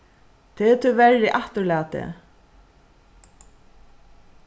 tað er tíverri afturlatið